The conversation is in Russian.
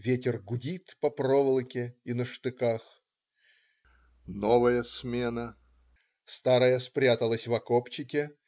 Ветер гудит по проволоке и на штыках. Новая смена. Старая спряталась в окопчике.